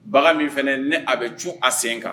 Bagan min fana ne a bɛ c a sen kan